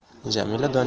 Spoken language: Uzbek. jamila doniyor bilan